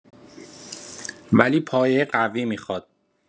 ولی پایه قوی میخواد